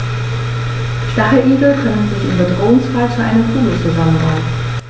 Stacheligel können sich im Bedrohungsfall zu einer Kugel zusammenrollen.